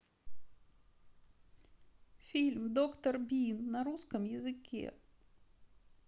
фильм доктор бин на русском языке